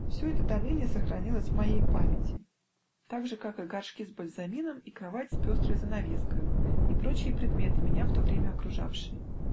Все это доныне сохранилось в моей памяти, также как и горшки с бальзамином, и кровать с пестрой занавескою, и прочие предметы, меня в то время окружавшие.